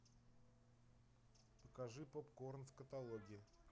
покажи попкорн в каталоге